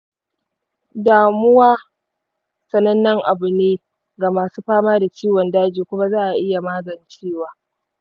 damuwa sanannen abu ne ga masu fama da ciwon daji kuma za'a iya magancewa.